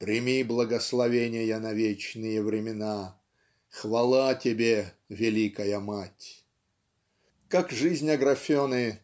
Прими благословения на вечные времена, хвала тебе, Великая Мать". Как жизнь Аграфены